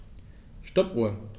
Stoppuhr.